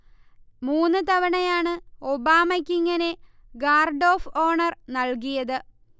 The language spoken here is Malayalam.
'മൂന്ന് തവണയാണ് ഒബാമയ്ക്ക് ഇങ്ങനെ ഗാർഡ് ഒഫ് ഓണർ' നൽകിയത്